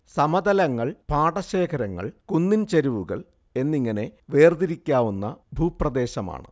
സമതലങ്ങൾ പാടശേഖരങ്ങൾ കുന്നിൻ ചരിവുകൾ എന്നിങ്ങനെ വേർതിരിക്കാവുന്ന ഭൂപ്രദേശമാണ്